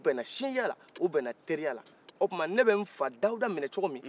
u bɛnan sinjiyala u bɛna teriyala o kuma ne bɛ n fa dawuda minɛ cogo min